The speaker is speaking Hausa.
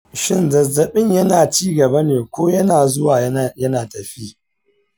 shin zazzabin yana ci gaba ne ko yana zuwa yana tafi?